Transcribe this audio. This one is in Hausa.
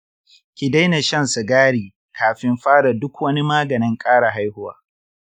ki daina shan sigari kafin fara duk wani maganin ƙara haihuwa.